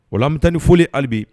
Wamit ni foli halibi